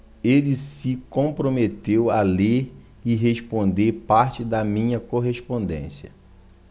ele se comprometeu a ler e responder parte da minha correspondência